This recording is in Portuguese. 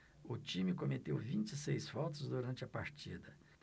o time cometeu vinte e seis faltas durante a partida